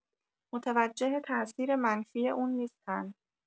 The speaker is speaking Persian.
متوجه تاثیر منفی اون نیستن